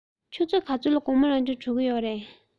ཆུ ཚོད ག ཚོད ལ དགོང མོའི རང སྦྱོང གྲོལ གྱི རེད